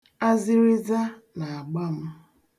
Azịrịza na-agba m.